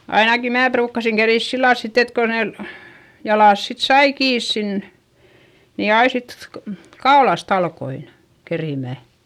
ainakin minä ruukasin keritä sillä lailla sitten että kun ne jalat sitten sai kiinni sinne niin aina sitten kun kaulasta aloin keritsemään